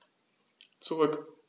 Zurück.